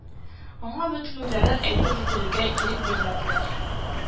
Аңа бөтен уйларын әйтеп бетерергә ирек бирмәделәр